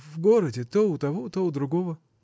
в городе, то у того, то у другого.